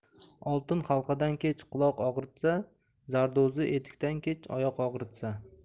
oltin halqadan kech quloq og'ritsa zardo'zi etikdan kech oyoq og'ritsa